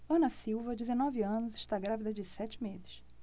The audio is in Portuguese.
ana silva dezenove anos está grávida de sete meses